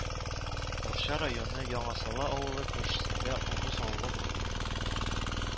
Арча районы Яңасала авылы күршесендә урыс авылы була